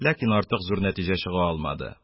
Ләкин артык зур нәтиҗә чыга алмады.